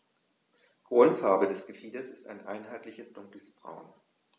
Grundfarbe des Gefieders ist ein einheitliches dunkles Braun.